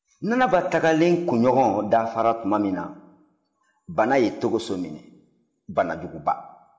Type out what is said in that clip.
nanaba tagalen kunɲɔgɔn dafara tuma min na bana ye togoso minɛ bana juguba